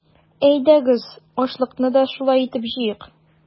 Әйдәгез, ашлыкны да шулай итеп җыйыйк!